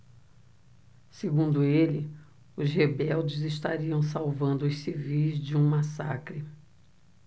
segundo ele os rebeldes estariam salvando os civis de um massacre